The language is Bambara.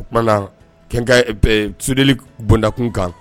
O tumana na kɛ ka bɛ sodli bonbondakun kan